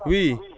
oui